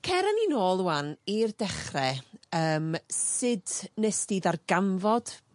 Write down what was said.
cer â ni nôl rŵan i'r dechre, yym sud nest ti ddarganfod